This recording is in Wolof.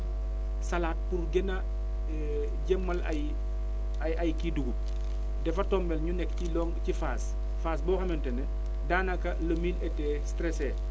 salade pour gën a jëmmal ay ay ay kii dugub dafa tombé ñu nekk ci longue ci phase phase boo xamante ne daanaka le mil était stressé